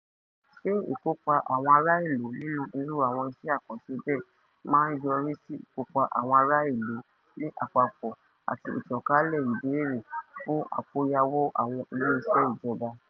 Ṣe ìkòpa àwọn ará-ìlú nínú irú àwọn iṣẹ́ àkànṣe bẹ́ẹ̀ máa ń yọrí sí ìkópa àwọn ará-ìlú ní àpapọ̀ àti ìtànkálẹ̀ ìbéèrè fún àkóyawọ́ àwọn ilé-iṣẹ́ ìjọba?